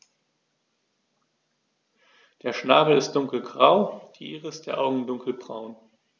Der Schnabel ist dunkelgrau, die Iris der Augen dunkelbraun.